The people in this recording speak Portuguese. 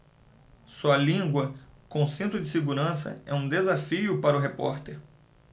sua língua com cinto de segurança é um desafio para o repórter